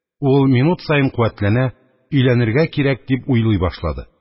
Ул минут саен куәтләнә, «өйләнергә кирәк дип уйлый башлады.